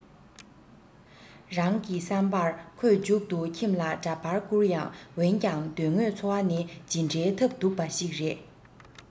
རིང གི བསམ པར ཁོས མཇུག ཏུ ཁྱིམ ལ འདྲ པར བསྐུར ཡང འོན ཀྱང དོན དངོས འཚོ བ ནི ཇི འདྲའི ཐབས སྡུག པ ཞིག རེད